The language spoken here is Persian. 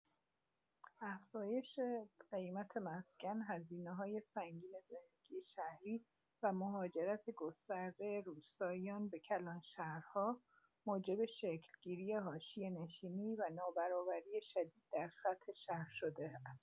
افزایش قیمت مسکن، هزینه‌های سنگین زندگی شهری و مهاجرت گسترده روستاییان به کلانشهرها موجب شکل‌گیری حاشیه‌نشینی و نابرابری شدید در سطح شهر شده است.